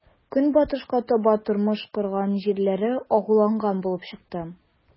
Көнбатышка таба тормыш корган җирләре агуланган булып чыккан.